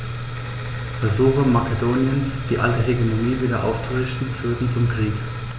Versuche Makedoniens, die alte Hegemonie wieder aufzurichten, führten zum Krieg.